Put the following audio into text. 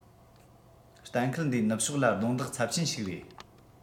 གཏན འཁེལ འདིའི ནུབ ཕྱོགས ལ རྡུང རྡེག ཚབས ཆེན ཞིག རེད